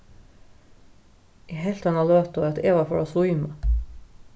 eg helt eina løtu at eva fór at svíma